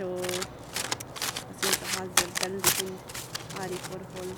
Og jeg syns jeg har det veldig fint her i forhold.